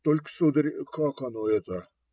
Только, сударь, как оно это?.